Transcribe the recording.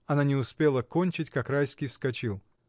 Она не успела кончить, как Райский вскочил.